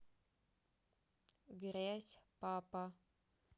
грязь папа